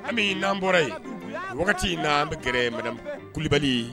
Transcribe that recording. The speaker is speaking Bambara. Ami nan bɔra yen waati nan aw bɛ gɛrɛ madame kulubali